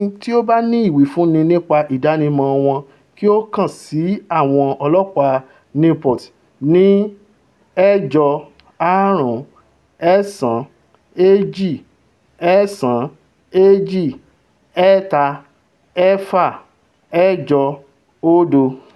Ẹnikẹ́ni tí ó bání ìwífúnni nípa ìdánimọ̀ wọn kí ó kàn sí àwọn ọlọ́ọ̀pá Newport ní 859-292-3680.